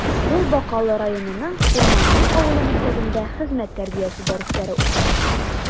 Ул Бакалы районының Урманай авылы мәктәбендә хезмәт тәрбиясе дәресләре укыта.